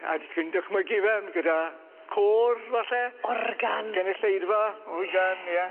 A 'dy chi'n dychmygu fe m- gyda côr falle? Organ. Genulleidfa organ ie.